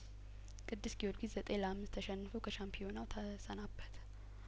ቅድስ ጊዮርጊስ ዘጠኝ ለአምስት ተሸንፎ ከሻምፒዮናው ተሰናበተ